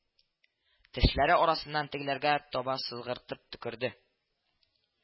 Тешләре арасыннан тегеләргә таба сызгыртып төкерде